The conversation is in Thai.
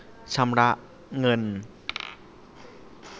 ชำระเงิน